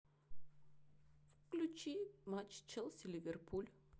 включи матч челси ливерпуль